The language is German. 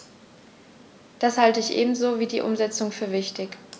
Das halte ich ebenso wie die Umsetzung für wichtig.